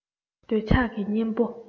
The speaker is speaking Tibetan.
འདོད ཆགས ཀྱི གཉེན པོ